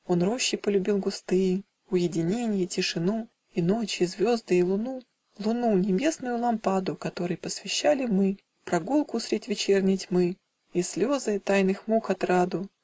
Он рощи полюбил густые, Уединенье, тишину, И ночь, и звезды, и луну, Луну, небесную лампаду, Которой посвящали мы Прогулки средь вечерней тьмы, И слезы, тайных мук отраду.